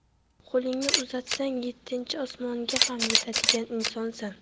qo'lingni uzatsang yettinchi osmonga ham yetadigan insonsan